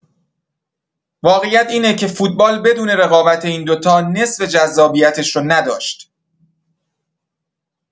واقعیت اینه که فوتبال بدون رقابت این دوتا نصف جذابیتش رو نداشت.